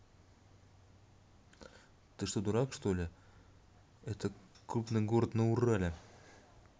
ты что дурак что ли это крупный город на урале